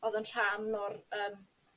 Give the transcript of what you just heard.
odd yn rhan o'r yym